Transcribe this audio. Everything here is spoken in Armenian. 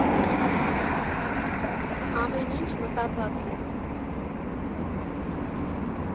Ամեն ինչ մտածած է։